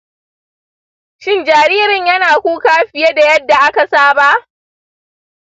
shin jaririn yana kuka fiye da yadda aka saba?